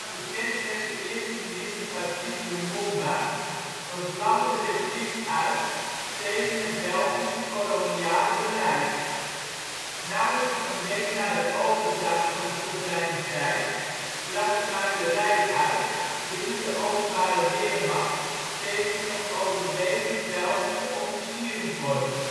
de kersverse eerste-minister Patrice Lumumba een vlammende repliek uit tegen het Belgische koloniale beleid. Nauwelijks een week na de overdracht van de soevereiniteit brak een muiterij uit binnen de Openbare Weermacht tegen het nog overwegend Belgische officierenkorps